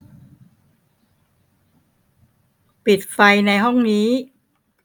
ปิดไฟในห้องนี้